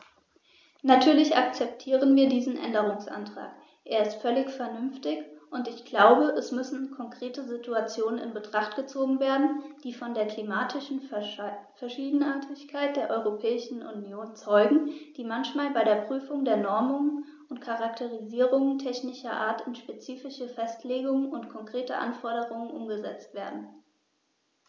Natürlich akzeptieren wir diesen Änderungsantrag, er ist völlig vernünftig, und ich glaube, es müssen konkrete Situationen in Betracht gezogen werden, die von der klimatischen Verschiedenartigkeit der Europäischen Union zeugen, die manchmal bei der Prüfung der Normungen und Charakterisierungen technischer Art in spezifische Festlegungen und konkrete Anforderungen umgesetzt werden.